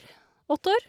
Åtte år.